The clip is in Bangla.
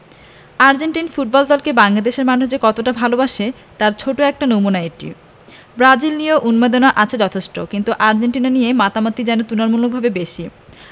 আর্জেন্টাইন ফুটবল দলকে বাংলাদেশের মানুষ যে কতটা ভালোবাসে তার ছোট্ট একটা নমুনা এটি ব্রাজিল নিয়েও উন্মাদনা আছে যথেষ্ট কিন্তু আর্জেন্টিনা নিয়ে মাতামাতিই যেন তুলনামূলকভাবে বেশি